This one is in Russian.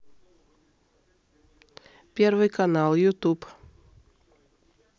первый канал ютуб